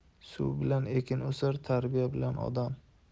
suv bilan ekin o'sar tarbiya bilan odam